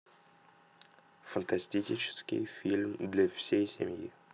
фантастический фильм для всей семьи